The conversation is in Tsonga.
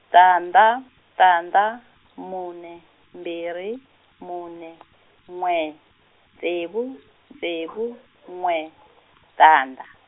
tandza tandza mune mbirhi mune n'we ntsevu ntsevu n'we tandza.